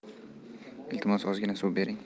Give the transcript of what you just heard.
iltimos ozgina suv bering